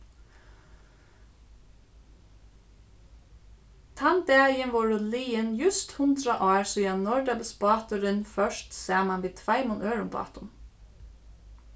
tann dagin vóru liðin júst hundrað ár síðani norðdepilsbáturin fórst saman við tveimum øðrum bátum